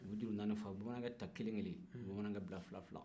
u bɛ jurunaani fɔ u bɛ bamankɛ ta kelen-kelen u bɛ bamanankɛ bila fila-fila